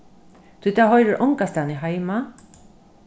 tí tað hoyrir ongastaðni heima